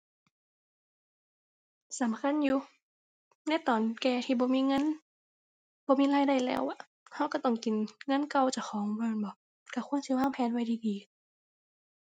สำคัญอยู่ ในตอนแก่ที่บ่มีเงิน บ่มีรายได้แล้วอะ เราเราต้องกินเงินเก่าเจ้าของบ่แม่นบ่ เราควรสิวางแผนไว้ดีดี